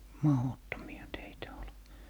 mahdottomia teitä oli